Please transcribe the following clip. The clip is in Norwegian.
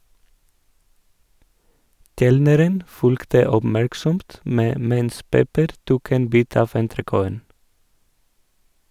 Kelneren fulgte oppmerksomt med mens Pepper tok en bit av entrecôten.